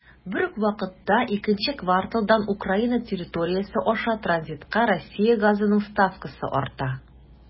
Бер үк вакытта икенче кварталдан Украина территориясе аша транзитка Россия газының ставкасы арта.